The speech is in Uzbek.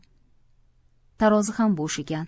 tarozi ham bo'sh ekan